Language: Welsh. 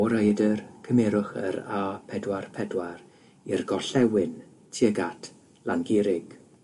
O Raeadr cymerwch yr a pedwar pedwar i'r gorllewin tuag at Langurig.